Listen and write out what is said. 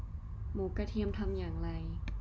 หมูกระเทียมทำอย่างไร